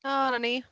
O 'na ni.